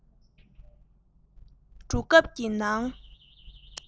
འགྲོ སྐབས ཀྱི ནང